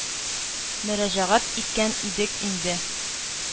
Мөрәҗәгать иткән идек инде.